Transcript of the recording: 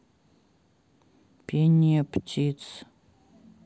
пение птиц